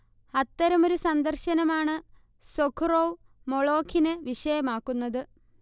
അത്തരമൊരു സന്ദർശനമാണ് സൊഖുറോവ് 'മൊളോഖി'ന് വിഷയമാക്കുന്നത്